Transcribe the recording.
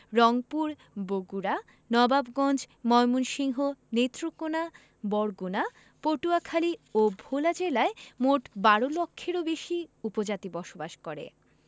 রংপুর বগুড়া নবাবগঞ্জ ময়মনসিংহ নেত্রকোনা বরগুনা পটুয়াখালী ও ভোলা জেলায় মোট ১২ লক্ষের বেশি উপজাতি বসবাস করে